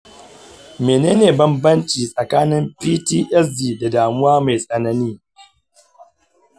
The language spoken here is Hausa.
menene bambanci tsakanin ptsd da damuwa mai tsanani?